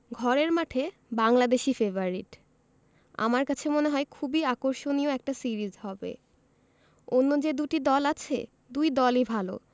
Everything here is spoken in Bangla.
ঘরের মাঠে বাংলাদেশই ফেবারিট আমার কাছে মনে হয় খুবই আকর্ষণীয় একটা সিরিজ হবে অন্য যে দুটি দল আছে দুই দলই ভালো